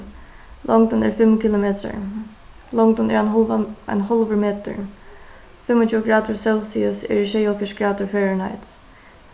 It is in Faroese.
longdin er fimm kilometrar longdin er ein hálvan ein hálvur metur fimmogtjúgu gradir celsius eru sjeyoghálvfjerðs gradir fahrenheit